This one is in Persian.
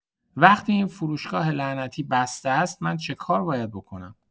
وقتی این فروشگاه لعنتی بسته است، من چه کار باید بکنم؟